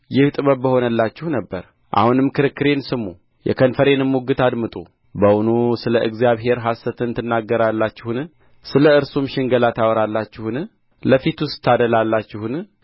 ይህ ጥበብ በሆነላችሁ ነበር አሁንም ክርክሬን ስሙ የከንፈሬንም ሙግት አድምጡ በውኑ ስለ እግዚአብሔር ሐሰትን ትናገራላችሁን ስለ እርሱም ሽንገላን ታወራላችሁን ለፊቱስ ታደላላችሁን